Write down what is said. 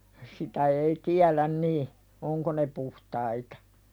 sitä ei tiedä niin onko ne puhtaita